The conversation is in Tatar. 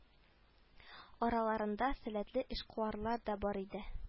Араларында сәләтле эшкуарлар да бар иде